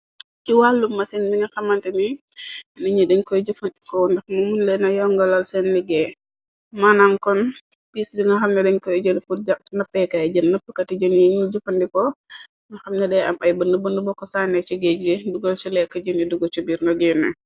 Ci wàllu masin di nga xamante ni diñuy deñ koy jëfandikoo ndax mu mën leena yongalal seen liggéey maanam kon pis di nga xamna deñ koy jël pur nappeekaay jën nappkati jëni yi ñu jufandikoo nga xamna dee am ay bënn bënn bokko saane ci géej gi dugal ci lekk jëni dugu co biir nga genne.